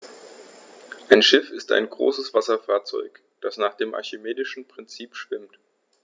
Ein Schiff ist ein größeres Wasserfahrzeug, das nach dem archimedischen Prinzip schwimmt.